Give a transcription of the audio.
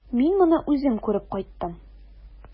Мин моны үзем күреп кайттым.